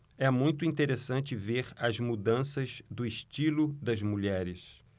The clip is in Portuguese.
é muito interessante ver as mudanças do estilo das mulheres